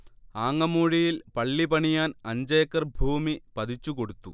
ആങ്ങമൂഴിയിൽ പള്ളി പണിയാൻ അഞ്ചേക്കർ ഭൂമി പതിച്ചു കൊടുത്തു